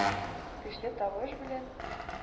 Көчле тавыш белән